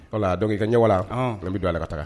Dɔn k'i kawa la i bɛ don la ka taa